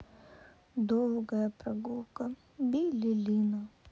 долгая прогулка билли линна